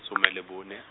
some le bone.